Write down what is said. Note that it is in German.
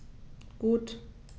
Gut.